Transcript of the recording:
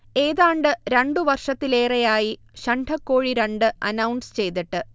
ഏതാണ്ട് രണ്ടു വർഷത്തിലേറെയായി ശണ്ഠക്കോഴി രണ്ട് അനൗൺസ് ചെയ്തിട്ട്